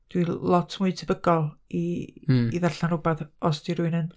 Dwi lot mwy tebygol i, i ddarllen rywbeth os 'di rywun yn...